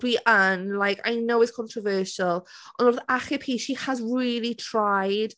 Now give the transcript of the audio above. Dwi yn, like, I know it's controversial ond wrth achub hi she has really tried.